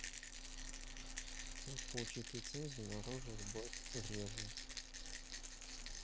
как получить лицензию на оружие в black реже